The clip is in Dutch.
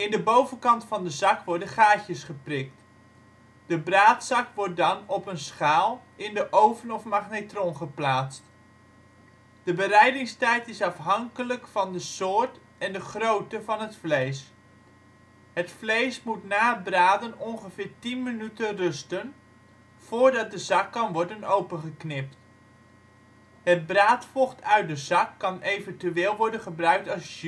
de bovenkant van de zak worden gaatjes geprikt. De braadzak wordt dan op een schaal in de oven of magnetron geplaatst. De bereidingstijd is afhankelijk van de soort en de grootte van het vlees. Het vlees moet na het braden ongeveer 10 minuten rusten, voordat de zak kan worden opengeknipt. Het braadvocht uit de zak kan eventueel worden gebruikt als